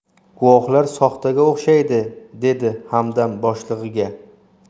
guvohlar soxtaga o'xshaydi dedi hamdam boshlig'iga